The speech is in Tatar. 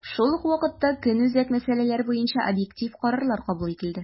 Шул ук вакытта, көнүзәк мәсьәләләр буенча объектив карарлар кабул ителде.